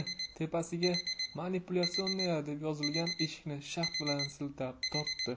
tepasiga manipulyatsionnaya deb yozilgan eshikni shaxt bilan siltab tortdi